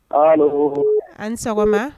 An sɔgɔma